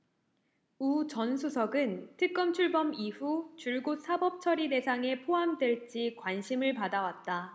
우 전 수석은 특검 출범 이후 줄곧 사법처리 대상에 포함될지 관심을 받아왔다